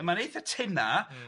a mae'n eitha tynna m-hm.